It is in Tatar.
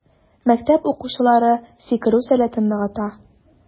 Мәктәп укучылары сикерү сәләтен ныгыта.